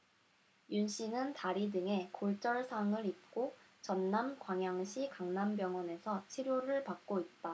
윤씨는 다리 등에 골절상을 입고 전남 광양시 강남병원에서 치료를 받고 있다